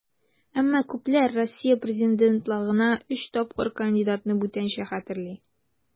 Әмма күпләр Россия президентлыгына өч тапкыр кандидатны бүтәнчә хәтерли.